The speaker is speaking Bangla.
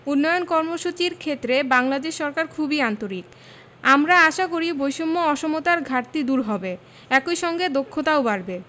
উন্নয়ন কর্মসূচির ক্ষেত্রে বাংলাদেশ সরকার খুবই আন্তরিক আমরা আশা করি বৈষম্য অসমতার ঘাটতি দূর হবে একই সঙ্গে দক্ষতাও বাড়বে